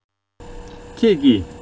ཁྱེད ཀྱིས